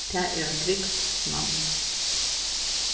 tað er eitt grikskt navn